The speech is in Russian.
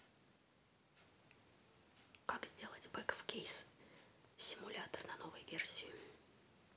как сделать back в case simulator на новой версии